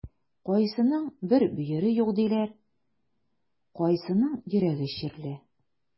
Кайсының бер бөере юк диләр, кайсының йөрәге чирле.